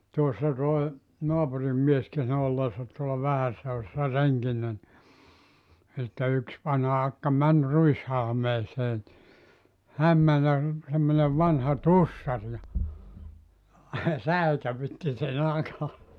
tuossa tuo naapurin mies kertoi olleensa tuolla Vähässä Joutsassa renkinä niin sitten yksi vanha akka meni ruishalmeeseen niin hän meni ja - semmoinen vanha tussari ja säikäytti sen akan